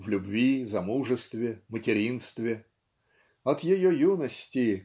в любви, замужестве, материнстве. От ее юности